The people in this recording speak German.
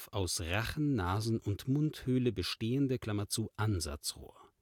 aus Rachen -, Nasen - und Mundhöhle bestehende) Ansatzrohr